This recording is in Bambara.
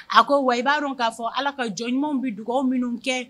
A ko wa i b'a dɔn k'a fɔ ala ka jɔn ɲumanw bɛ dugaw minnu kɛ